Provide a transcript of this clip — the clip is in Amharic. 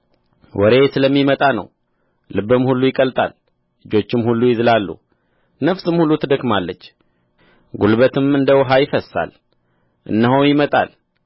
ወሬ ስለሚመጣ ነው ልብም ሁሉ ይቀልጣል እጆችም ሁሉ ይዝላሉ ነፍስም ሁሉ ትደክማለች ጉልበትም እንደ ውኃ ይፈስሳል እነሆ ይመጣል